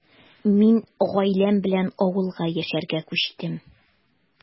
Мин гаиләм белән авылга яшәргә күчтем.